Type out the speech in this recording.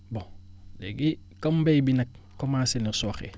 bon léegi comme mbéy bi nag commencé na sooxe